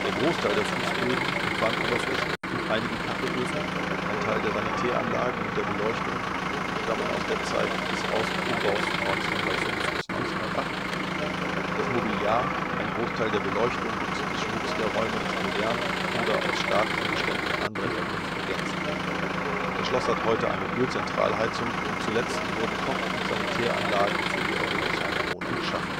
Großteil der Fußböden und Wandoberflächen, einige Kachelöfen, ein Teil der Sanitäranlagen und der Beleuchtung stammen aus der Zeit des Aus - und Umbaus von 1905 - 08. Das Mobiliar, ein Großteil der Beleuchtung und der Schmucks der Räume ist modern oder aus staatlichen Beständen anderer Herkunft ergänzt. Das Schloss hat heute eine Öl-Zentralheizung, und zuletzt wurden Koch - und Sanitäranlagen für die Erholungsheimbewohner geschaffen